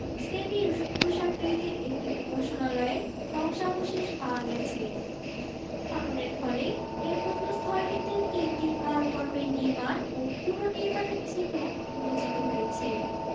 semi ক্রুশাকৃতির একটি উপাসনালয়ের ধ্বংসাবশেষ পাওয়া গেছে খননের ফলে এ প্রত্নস্থলটিতে তিনটি কালপর্বে নির্মাণ ও পুনঃনির্মাণের চিহ্ন উন্মোচিত হয়েছে